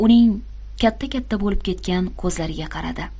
uning katta katta bo'lib ketgan ko'zlariga qaradi